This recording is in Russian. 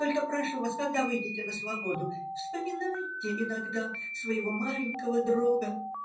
Только прошу вас, когда выйдете на свободу, вспоминайте иногда своего маленького друга!